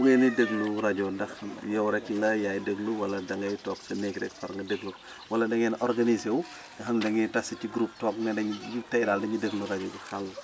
bu ngeen di déglu rajo ndax yow rek la yaay déglu wala da ngay toog sa néeg rek far nga déglu wala da ngeen organisé wu nga xam da ngeen di tase si groupe toog ne dañuy tey daal dañuy déglu rajo bi xam nga